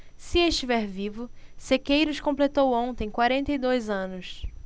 se estiver vivo sequeiros completou ontem quarenta e dois anos